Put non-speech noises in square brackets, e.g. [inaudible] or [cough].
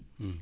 [hesitation]